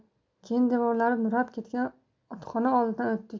keyin devorlari nurab ketgan otxona oldidan o'tdik